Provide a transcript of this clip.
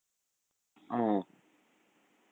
ออก